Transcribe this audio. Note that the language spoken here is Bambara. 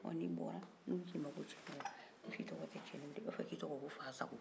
wa ni bɔra n'u k'i ma ko cɛnin o i b'a fɔ k'i tɔgɔ tɛ cɛnin o i b'a fɔ k'i tɔgɔ ko fa sago